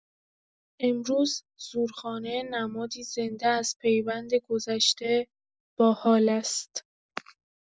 امروز زورخانه نمادی زنده از پیوند گذشته با حال است.